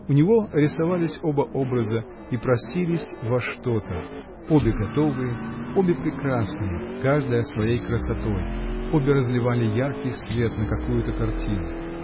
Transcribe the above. У него рисовались оба образа и просились во что-то: обе готовые, обе прекрасные — каждая своей красотой — обе разливали яркий свет на какую-то картину.